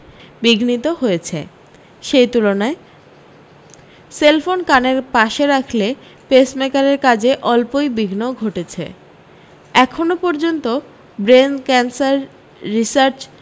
বিঘ্নিত হয়েছে সে তুলনায় সেলফোন কানের পাশে রাখলে পেসমেকারের কাজে অল্প ই বিঘ্ন ঘটেছে এখনও পর্যন্ত ব্রেন ক্যানসার রিসার্চ